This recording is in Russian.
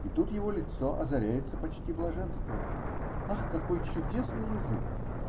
-- И тут его лицо озаряется почти блаженством: -- Ах, какой чудесный язык!